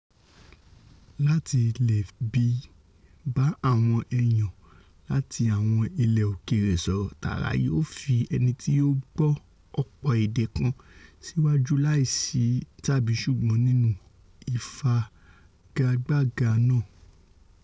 Láti leè bá àwọn èèyàn láti àwọn ilẹ̀ òkèèrè sọrọ tààra yóò fi ẹnití ó gbọ́ ọ̀pọ̀ èdè kan síwájú láìsí tàbí-ṣùgbọ́n nínú ìfagagbága náà.